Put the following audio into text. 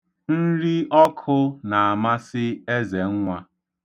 Nri ọkụ na-amasị Ezenwa.